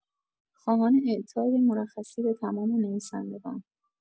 خواهان اعطای مرخصی به تمام نویسندگان